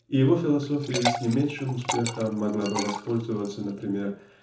и его философией с не меньшим успехом могла бы воспользоваться например